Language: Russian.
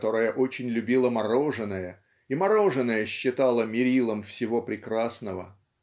которая очень любила мороженое и мороженое считала мерилом всего прекрасного.